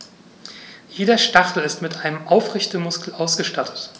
Jeder Stachel ist mit einem Aufrichtemuskel ausgestattet.